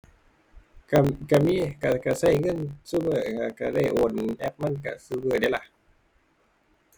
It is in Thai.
ก็ ก็มี ก็ ก็ก็เงินซุมื้อแหล้วก็ได้โอนแอปมันก็ซุมื้อเดะล่ะ